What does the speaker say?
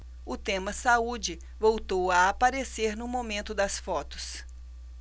o tema saúde voltou a aparecer no momento das fotos